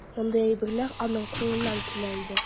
Мондый әйберләр аның кулыннан килә иде.